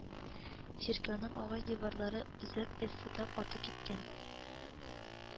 Чиркәүнең агач диварлары озак эсседә каты кипкән